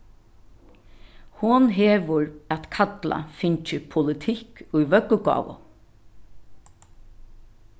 hon hevur at kalla fingið politikk í vøggugávu